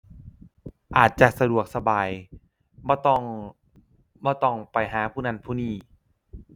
อาจจะสะดวกสบาย บ่ต้อง บ่ต้องไปหาผู้นั้นผู้นี้